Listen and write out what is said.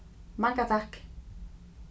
manga takk